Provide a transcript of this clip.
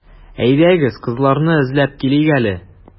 Әйдәгез, кызларны эзләп килик әле.